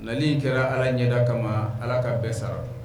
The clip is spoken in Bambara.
Na in kɛra ala ɲɛda kama ala ka bɛɛ sara